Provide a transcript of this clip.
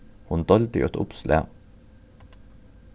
hon deildi eitt uppslag